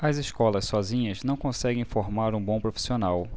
as escolas sozinhas não conseguem formar um bom profissional